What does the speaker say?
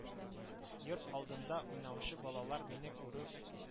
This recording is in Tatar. Йорт алдында уйнаучы балалар мине күрү